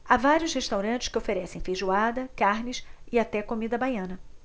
há vários restaurantes que oferecem feijoada carnes e até comida baiana